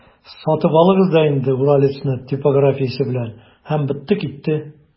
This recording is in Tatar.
Сатып алыгыз да инде «Уралец»ны типографиясе белән, һәм бетте-китте!